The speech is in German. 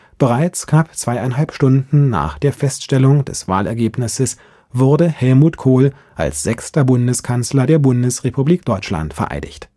Bereits knapp zweieinhalb Stunden nach der Feststellung des Wahlergebnisses wurde Helmut Kohl als sechster Bundeskanzler der Bundesrepublik Deutschland vereidigt